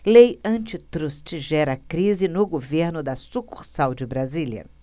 lei antitruste gera crise no governo da sucursal de brasília